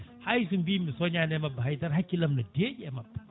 hay so mbimi soñani e mabba haydara hakkillam ne deeƴi e mabba